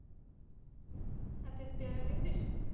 а ты сбера любишь